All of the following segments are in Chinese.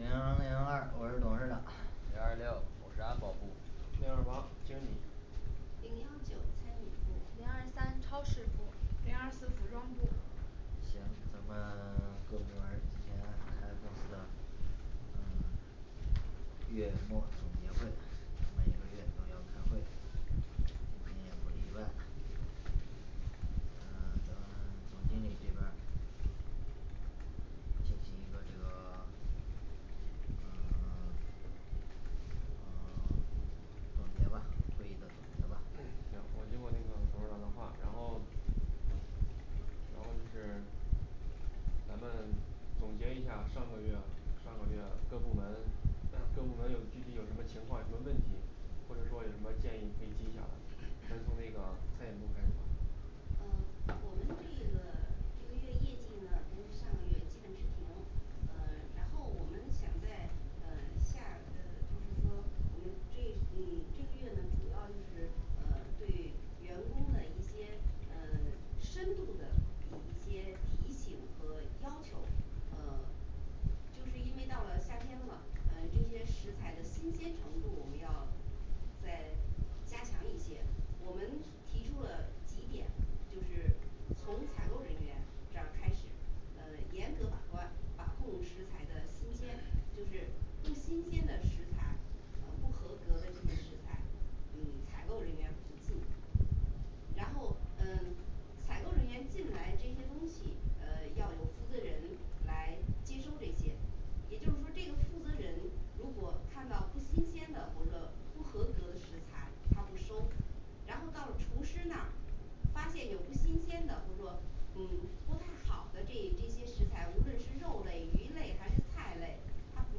零零二我是董事长 零二六我是安保部零二八经理零幺九餐饮部零二三超市部零二四服装部行，咱们 各部门儿今天开这个嗯 月末总结会，每个月都要开会谁也不例外呃 咱们 总经理这边儿进行一个这个 呃 呃 总结吧会议的总结吧嗯行我接过那个董事长的话，然后然后就是咱们总结一下上个月上个月各部门各对部门有具体有什么情况什么问题，或者说有什么建议可以提一下。先从那个餐饮部开始吧呃我们这个这个月业绩呢跟上个月基本持平，呃然后我们想在呃下呃就是说我们这嗯这个月呢主要就是呃对员工的一些呃 深度的一一些提醒和要求呃就是因为到了夏天了，呃这些食材的新鲜程度，我们要再加强一些我们提 提出了几点，就是从采购人员这儿开始，呃严格把关，把控食材的新鲜就是不新鲜的食材啊不合格的这些食材，嗯采购人员不进然后嗯采购人员进来这些东西呃要有负责人来接收这些也就是说这个负责人如果看到不新鲜的或者不合格的食材他不收然后到了厨师那儿发现有不新鲜的或说嗯不太好的这这些食材，无论是肉类、鱼类还是菜类，他不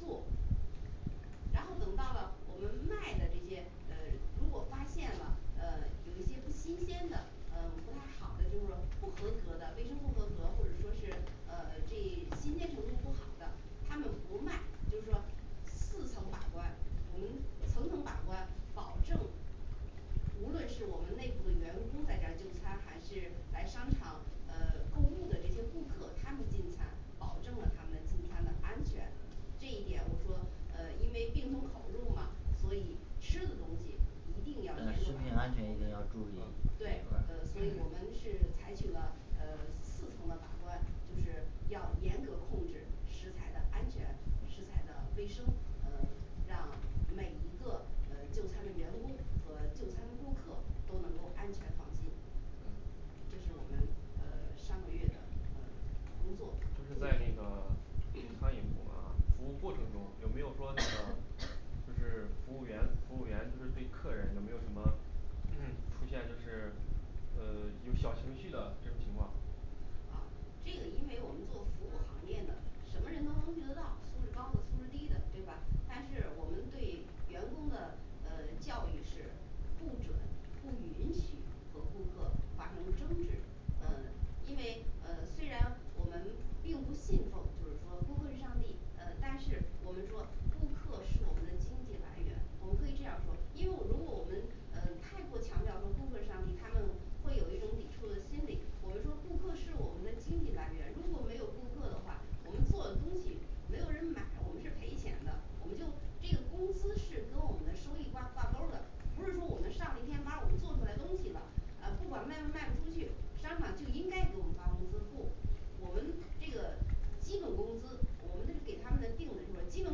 做然后等到了我们卖的这些，呃如果发现了呃有一些不新鲜的呃不太好的就是说不合格的卫生不合格，或者说是呃这新鲜程度不好的他们不卖，就是说四层把关，我们层层把关，保证无论是我们内部的员工在这儿就餐，还是来商场呃 购物的这些顾客，他们进餐保证了他们的进餐的安全这一点我说呃因为病从口入嘛，所以吃的东西一定对要严格食品安全一定要把关注意我们，这好对诶所以我个 们是采取了呃四层的把关，就是要严格控制食材的安全食材的卫生，呃 让每一个呃就餐的员工和就餐的顾客都能够安全放心对这是我们呃上个月的呃工作就是在那嗯个餐饮 部啊服务过程中，有没有说那个 就是服务员服务员就是对客人有没有什么就是出现就是呃 有小情绪的这种情况这个因为我们做服务行业呢什么人都能遇得到素质高的素质低的对吧？但是我们对员工的呃教育是不准不允许和顾客发生争执嗯因为呃虽然我们并不信奉就是说顾客是上帝，呃但是我们说顾客是我们的经济来源，我们可以这样说，因为如果我们呃太过强调说顾客是上帝他们会有一种抵触的心理，我们说顾客是我们的经济来源，如果没有顾客的话，我们做的东西没有人买，我们是赔钱的，我们就这个工资是跟我们的收益挂挂钩儿的不是说我嗯们上了一天班我们做出来东西了，呃不管卖不卖得出去，商场就应该给我们发工资不我们这个基本工资我们这是给他们在定的时候，基本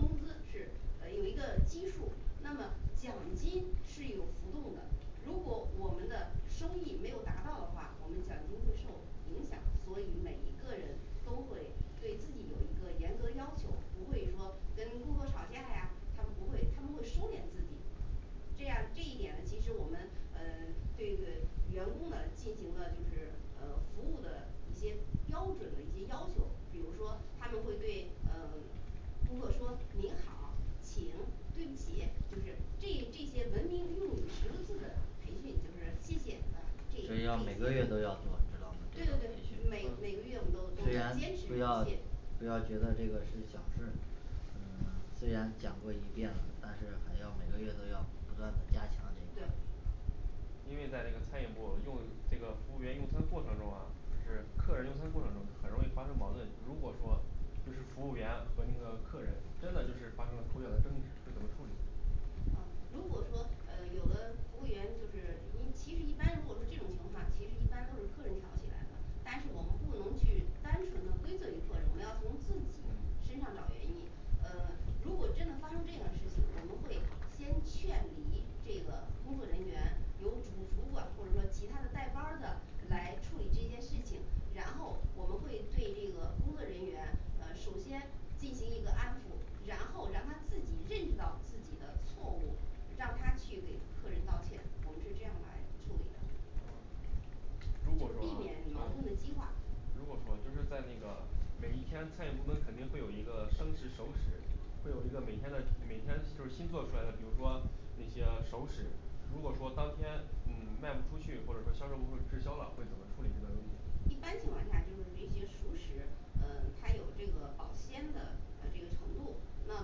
工资是呃有一个基数，那么奖金是有浮动的如果我们的收益没有达到的话，我们奖金会受影响，所以每一个人都会对自己有一个严格的要求，不会说跟顾客吵架呀，他们不会他们会收敛自己这样这一点其实我们呃 这个员工呢进行了就是呃服务的一些标准的一些要求，比如说他们会对呃 顾客说您好，请对不起就是这这些文明用语十个字的培训，就是谢谢这要呃每个这这月都要做知道吗对对对对每啊每个啊月我们都虽然都坚持不不要懈不要觉得这个是小事儿嗯 虽然讲过一遍了，但是还要每个月都要不断的加强这个对因为在这个餐饮部用这个服务员用餐过程中啊就是客人用餐过程中，他很容易发生矛盾，如果说就是服务员和那个客人真的就是发生了口角的争执会怎么处理啊如果说呃有的服务员就是你其实一般如果说这种情况，其实一般都是客人挑起来的，但是我们不能去单纯的归责于客人，我们要从自己嗯身上找原因呃如果真的发生这样事情，我们会先劝离这个工作人员，由主主管或者说其他的带班儿的来处理这些事情，然后我们会对这个工作人员呃首先进行一个安抚，然后让他自己认识到自己的错误，让他去给客人道歉，我们是这样来处理的哦如就果说避免矛啊就盾的激化如果说就是在那个每一天餐饮部门肯定会有一个生食熟食会有一个每天的每天就是新做出来的，比如说那些熟食如果说当天嗯卖不出去，或者说销售不会滞销了，会怎么处理这个东西？一般情况下就是这些熟食呃它有这个保鲜的呃这个程度那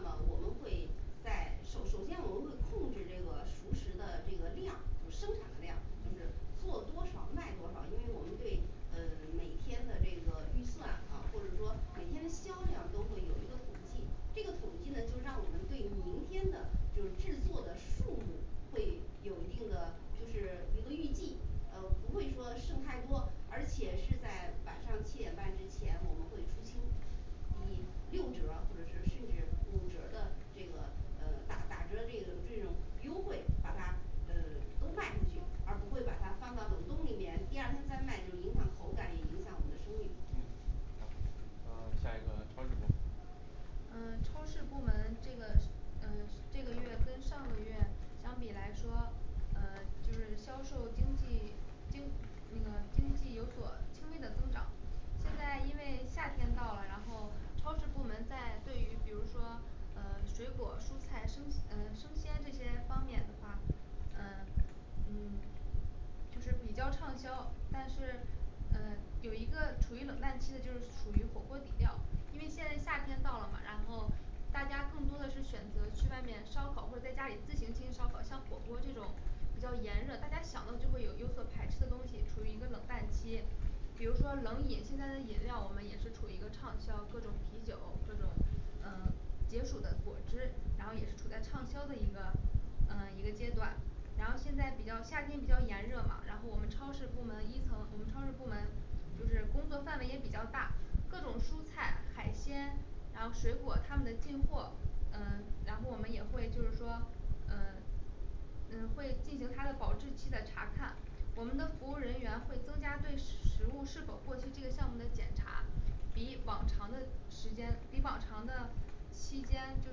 么我们会在首首先我们会控制这个熟食的这个量，就生产的量就是做多少卖多少，因为我们对呃 每天的这个预算啊或者说每天的销量都会有一个统计这个统计呢就是让我们对明天的就是制作的数目会有一定的就是一个预计呃不会说剩太多，而且是在晚上七点半之前我们会出清以六折或者是甚至五折儿的这个呃打打折儿这个这种优惠把它嗯呃都卖出去，而不会把它放到冷冻里面，第二天再卖就影响口感，也影响我们的声誉嗯呃呃下一个超市部呃超市部门儿这个 呃 这个月跟上个月相比来说，呃就是销售经济经那个经济有所轻微的增长现在因为夏天到了，然后超市部门在对于比如说呃水果、蔬菜、生呃生鲜这些方面的话呃嗯就是比较畅销，但是呃有一个处于冷淡期的就是属于火锅底料，因为现在夏天到了嘛然后大家更多的是选择去外面烧烤，或者在家里自行进行烧烤，像火锅这种比较炎热，大家想到就会有有所排斥的东西，处于一个冷淡期。比如说冷饮，现在的饮料我们也是处于一个畅销，各种啤酒，各种呃解暑的果汁，然后也是处在畅销的一个呃一个阶段然后现在比较夏天比较炎热嘛，然后我们超市部门一层我们超市部门就是嗯工作范围也比较大各种蔬菜海鲜，然后水果他们的进货，呃然后我们也会就是说呃嗯会进行它的保质期的查看，我们的服务人员会增加对食食物是否过期这个项目的检查比往常的时间比往常的期间就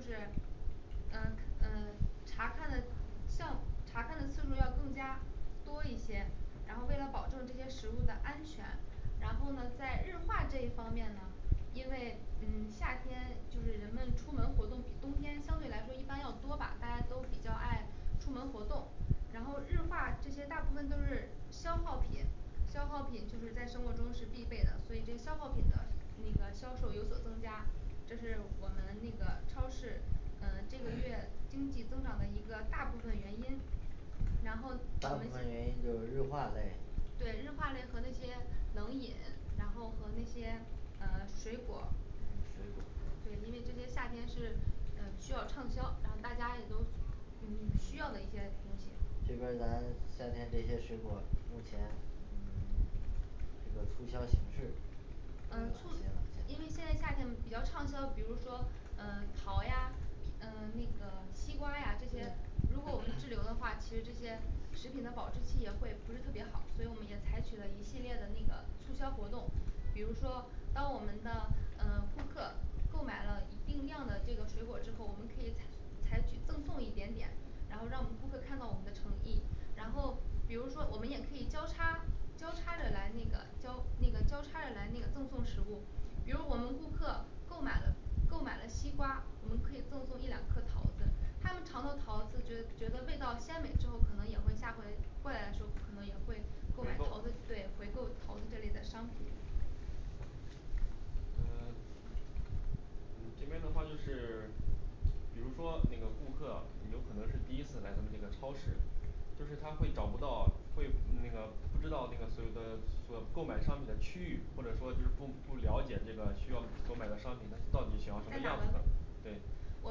是呃呃查看的项查看的次数要更加多一些然后为了保证这些食物的安全，然后呢在日化这一方面呢因为嗯夏天就是人们出门活动比冬天相对来说一般要多吧，大家都比较爱出门活动然后日化这些大部分都是消耗品，消耗品就是在生活中是必备的，所以这消耗品的那个销售有所增加这是我们那个超市呃这个月经济增长的一个大部分原因然后我大部分们原因就是日化类对日化类和那些冷饮，然后和那些呃水果儿嗯水果对因为这些夏天是呃需要畅销，然后大家也都嗯需要的一些东西这边儿咱夏天这些水果，目前这个促销形式这个呃怎促么样现因为在现在夏天比较畅销，比如说呃桃呀苹 呃那个西瓜呀这些对如果我们滞留 的话其实这些食品的保质期也会不是特别好，所以我们也采取了一系列的那个促销活动比如说当我们的呃顾客购买了一定量的这个水果之后，我们可以采采取赠送一点点然后让我们顾客看到我们的诚意，然后比如说我们也可以交叉交叉着来那个交那个交叉着来那个赠送食物，比如我们顾客购买了购买了西瓜，我们可以赠送一两颗桃子他们尝到桃子觉觉得味道鲜美之后，可能也会下回过来的时候可能也会购回买购桃子，对回购桃子这类的商品呃 呃这边的话就是 比如说那个顾客有可能是第一次来咱们这个超市就是他会找不到，会那个不知道那个所有的所购买商品的区域，或者说就是不不了解这个需要所购买的商品他到底喜欢什么在哪样儿子的，对我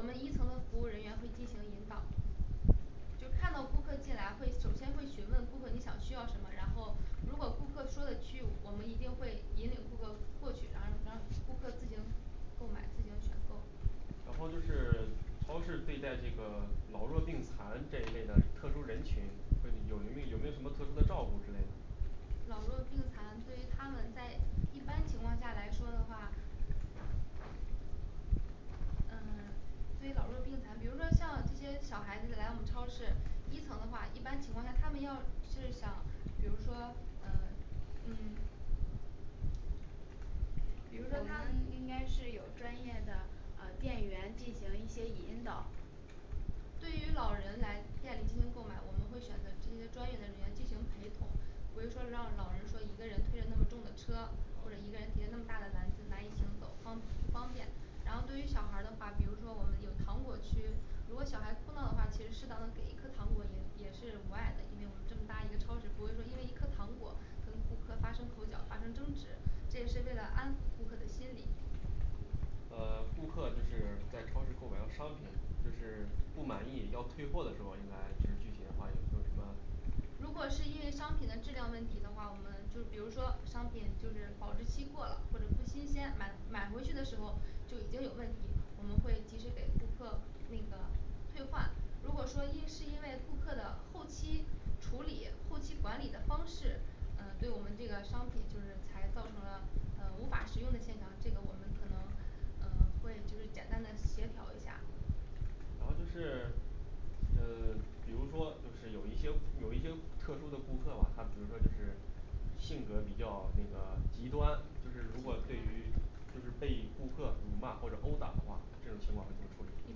们一层的服务人员会进行引导就看到顾客进来会首先会询问顾客你想需要什么，然后如果顾客说了区域，我们一定会引领顾客过去，然后让顾客自行购买自行选购然后就是 超市对待这个老弱病残这一类的特殊人群，会有有没有什么特殊的照顾之类的？老弱病残对于他们在一般情况下来说的话呃 对于老弱病残，比如说像这些小孩子来我们超市一层的话，一般情况下他们要是想比如说呃嗯我比如说他们应该是有专业的啊店员进行一些引导对于老人来店里进行购买，我们会选择这些专业的人员进行陪同，不是说让老人说一个人推着那么重的车，或者一个哦人提着那么大的篮子难以行走，方不方便然后对于小孩儿的话，比如说我们有糖果区，如果小孩哭闹的话，其实适当的给一颗糖果也也是无碍的，因为我们这么大一个超市不会说因为一颗糖果跟顾客发生口角发生争执， 这也是为了安抚顾客的心理呃顾客就是在超市购买到商品，就是不满意要退货的时候，应该就是具体的话有有什么如果是因为商品的质量问题的话，我们就比如说商品就是保质期过了或者不新鲜，买买回去的时候就已经有问题，我们会及时给顾客那个退换如果说因是因为顾客的后期处理后期管理的方式，呃对我们这个商品就是才造成了呃无法食用的现象，这个我们可能呃会就是简单的协调一下然后就是 呃 比如说就是有一些有一些特殊的顾客吧，他比如说就是性格比较那个极端，就是如果极对于端就是被顾客辱骂或者殴打的话，这种情况会怎么处理？你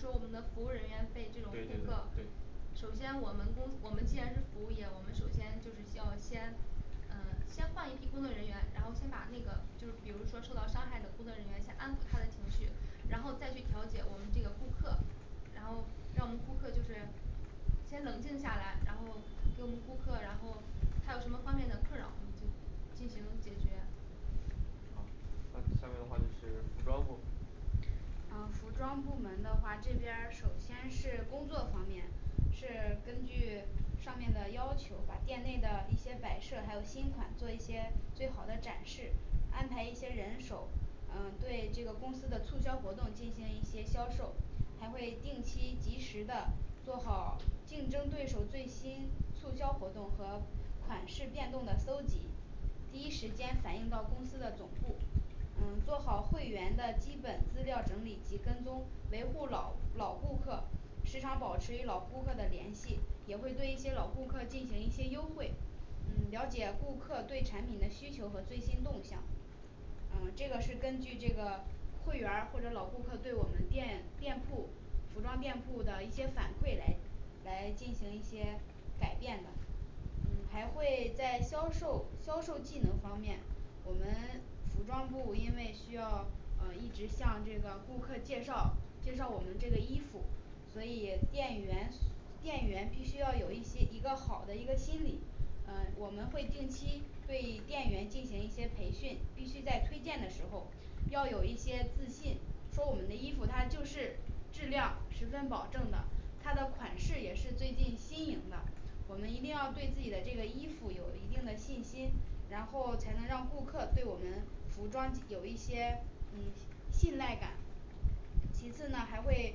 说我们的服务人员被这种对对对顾客对首先我们公我们既然是服务业，我们首先就是要先呃先换一批工作人员，然后先把那个就是比如说受到伤害的工作人员先安抚他的情绪，然后再去调解我们这个顾客然后让我们顾客就是先冷静下来，然后给我们顾客，然后他有什么方面的困扰，我们就进行解决好，那下面的话就是服装部啊服装部门的话，这边儿首先是工作方面是根据上面的要求，把店内的一些摆设还有新款做一些最好的展示，安排一些人手啊对这个公司的促销活动进行一些销售，还会定期及时的做好竞争对手最新促销活动和款式变动的搜集第一时间反映到公司的总部嗯做好会员的基本资料整理及跟踪，维护老老顾客时常保持与老顾客的联系，也会对一些老顾客进行一些优惠嗯了解顾客对产品的需求和最新动向呃这个是根据这个会员儿或者老顾客对我们店店铺服装店铺的一些反馈来来进行一些改变的嗯还会在销售销售技能方面，我们服装部因为需要呃一直向这个顾客介绍介绍我们这个衣服所以店员素 店员必须要有一些一个好的一个心理呃我们会定期对店员进行一些培训，必须在推荐的时候要有一些自信，说我们的衣服它就是质量十分保证的，它的款式也是最近新颖的我们一定要对自己的这个衣服有一定的信心，然后才能让顾客对我们服装有一些嗯系 信赖感其次呢还会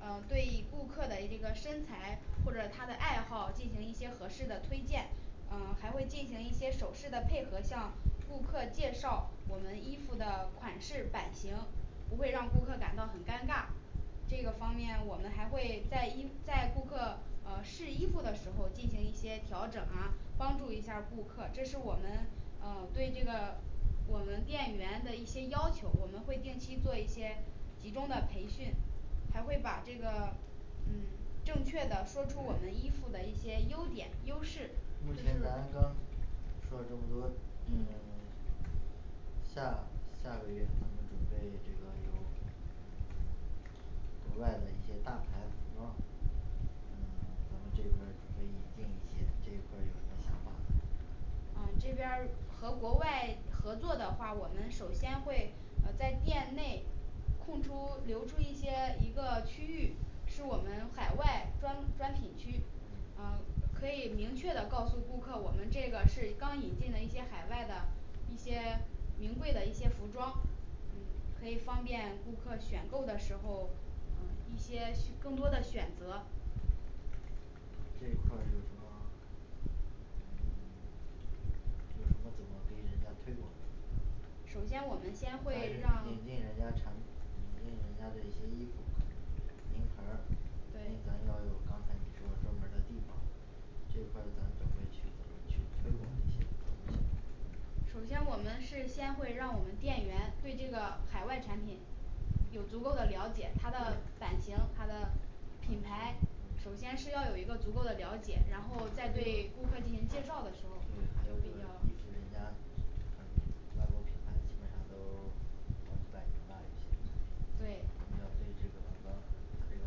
呃对顾客的这个身材或者他的爱好进行一些合适的推荐啊还会进行一些手势的配合，向顾客介绍我们衣服的款式版型，不会让顾客感到很尴尬这个方面我们还会在衣在顾客呃试衣服的时候进行一些调整啊，帮助一下儿顾客，这是我们啊对这个我们店员的一些要求，我们会定期做一些集中的培训，还会把这个 嗯正确地说出我们衣服的一些优点，优势目就前是咱们跟说了这么多嗯嗯 下下个月我们准备这个有国外的一些大牌服装嗯 咱们这边儿准备引进一些这一块儿有什么想法没？啊这边儿和国外合作的话，我们首先会呃在店内空出留出一些一个区域，是我们海外专专品区嗯啊可以明确的告诉顾客，我们这个是刚引进的一些海外的一些名贵的一些服装可以方便顾客选购的时候嗯一些需 更多的选择这块儿有什么嗯 有什么怎么给人家推广的呢首先我们先咱们会让引进人 家产引进人家的一些衣服名牌儿因为咱这对儿有刚才你说的专门儿的地方，这块儿咱们去首先我们是先会让我们店员对这个海外产品有嗯足够的了解，它的对版型它的品牌首先是要有一个足够的了解，然后在对顾客进行介绍的时候对还就有这比个较衣服人家嗯外国品牌基本上都 有版型啊这些什么对都要对这个什么它这个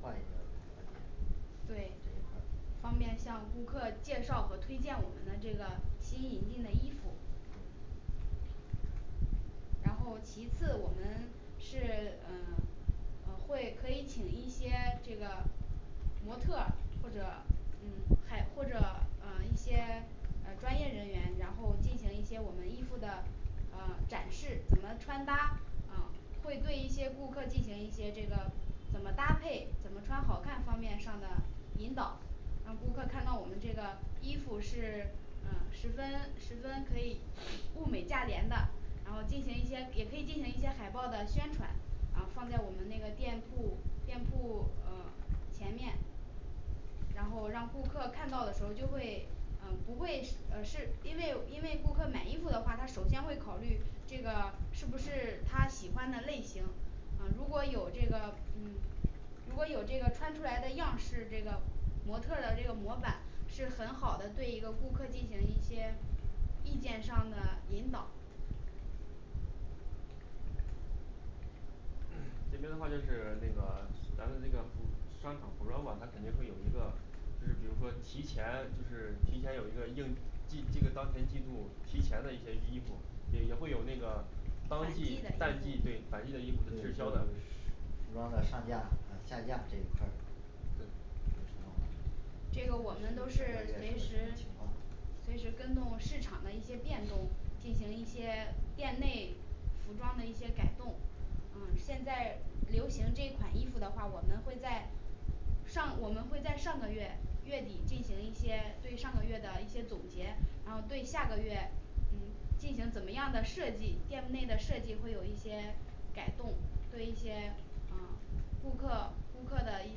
换一个角度来解读这对些方便向顾客介绍和推荐我们的这个新引进的衣服然后其次我们是 呃呃会可以请一些这个模特儿或者嗯还或者嗯一些呃专业人员然后进行一些我们衣服的呃展示，怎么穿搭啊会对一些顾客进行一些这个怎么搭配，怎么穿好看方面上的引导让顾客看到我们这个衣服是 呃十分十分可以 物美价廉的然后进行一些也可以进行一些海报的宣传，啊放在我们那个店铺店铺呃前面然后让顾客看到的时候就会 呃不会呃是因为因为顾客买衣服的话，他首先会考虑这个是不是他喜欢的类型啊如果有这个嗯如果有这个穿出来的样式这个，模特儿的这个模板是很好的，对一个顾客进行一些意见上的引导 这边的话就是 那个 是 咱们那个服商场服装的话它肯定会有一个，就是比如说提前就是提前有一个应季，这个当前季度提前的一些衣衣服也也会有那个反当季季的淡季衣对服反季的衣服这个就是滞销服的装的上架下架这一块儿对这个我们都是临时看情况随时跟弄市场的一些变动，进行一些店内服装的一些改动嗯现在流行这款衣服的话，我们会在上我们会在上个月月底进行一些对上个月的一些总结 然后对下个月嗯进行怎么样的设计，店内的设计会有一些改动对一些啊顾客顾客的一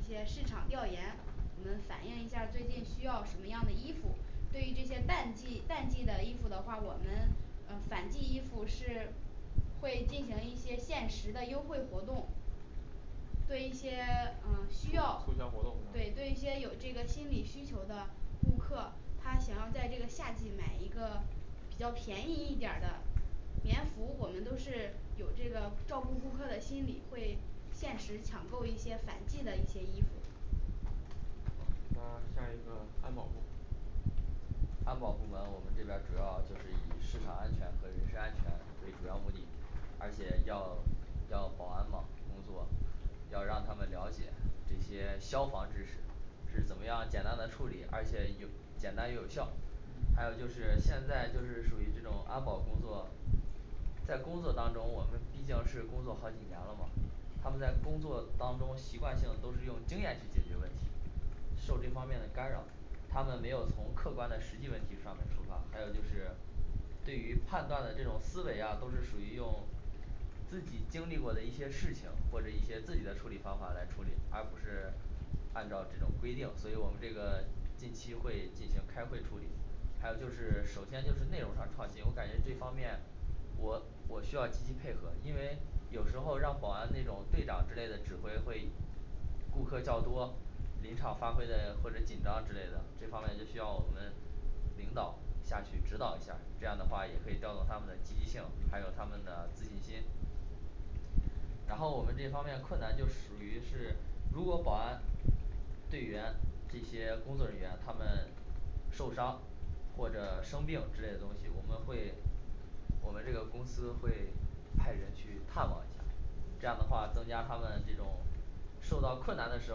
些市场调研，我们反映一下儿最近需要什么样的衣服，对于这些淡季淡季的衣服的话，我们呃反季衣服是会进行一些限时的优惠活动对一些 呃促促需要销活动是对吧对一些有这个心理需求的顾客，他想要在这个夏季买一个比较便宜一点儿的棉服我们都是有这个照顾顾客的心理，会限时抢购一些反季的一些衣服好，那下一个安保部安保部门我们这边儿主要就是以市场安全和人身安全为主要目的而且要要保安嘛工作，要让他们了解这些消防知识是怎么样简单的处理，而且有简单又有效还嗯有就是现在就是属于这种安保工作在工作当中我们毕竟是工作好几年了嘛，他们在工作当中习惯性都是用经验去解决问题受这方面的干扰，他们没有从客观的实际问题上面出发还有就是对于判断的这种思维呀，都是属于用自己经历过的一些事情，或者一些自己的处理方法来处理，而不是按照这种规定，所以我们这个近期会进行开会处理还有就是 首先就是内容上创新，我感觉这方面我我需要积极配合，因为有时候让保安那种队长之类的指挥会顾客较多，临场发挥的或者紧张之类的，这方面就需要我们领导下去指导一下儿，这样的话也可以调动他们的积极性，还有他们的自信心然后我们这方面困难就属于是如果保安队员这些工作人员他们受伤或者生病之类的东西我们会我们这个公司会派人去看望一下，这样的话增加他们这种受到困难的时